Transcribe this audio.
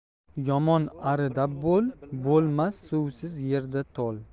yomon arida bol bo'lmas suvsiz yerda tol